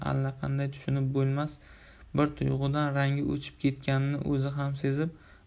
allaqanday tushunib bo'lmas bir tuyg'udan rangi o'chib ketganini o'zi ham sezib